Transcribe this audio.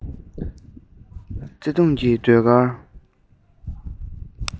བརྩེ དུང གི ཟློས གར